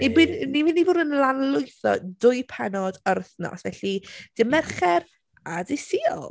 I by- ni'n mynd i fod yn lanlwytho dwy pennod yr wythnos. Felly dydd Mercher a dydd Sul.